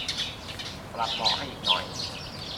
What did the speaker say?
ปรับเบาะให้อีกหน่อย